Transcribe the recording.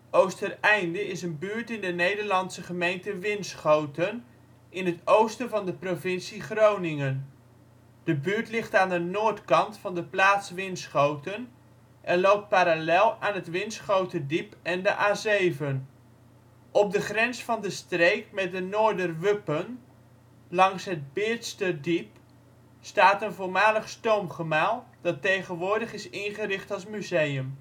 Oostereinde is een buurt in de Nederlandse gemeente Winschoten, in het oosten van de provincie Groningen. De buurt ligt aan de noordkant van de plaats Winschoten, en loopt parallel aan het Winschoterdiep en de A 7. Op de grens van de streek met de Noorderwuppen, langs het Beertsterdiep, staat een voormalig stoomgemaal, dat tegenwoordig is ingericht als museum